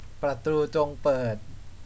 ประตูจงเปิด